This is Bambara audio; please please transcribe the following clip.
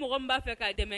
Mɔgɔ n b' fɛ ka'a dɛmɛ